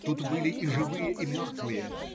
Тут были и живые и мертвые.